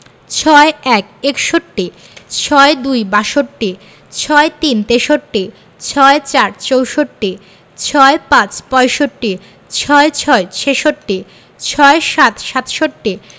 ৬১ – একষট্টি ৬২ – বাষট্টি ৬৩ – তেষট্টি ৬৪ – চৌষট্টি ৬৫ – পয়ষট্টি ৬৬ – ছেষট্টি ৬৭ – সাতষট্টি